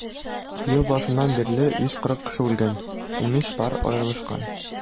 Ел башыннан бирле 140 кеше үлгән, 13 пар аерылышкан.